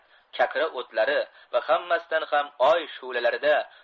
kakra o'tlari va hammasidan ham oy shu'lalarida